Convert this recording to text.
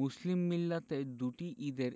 মুসলিম মিল্লাতের দুটি ঈদের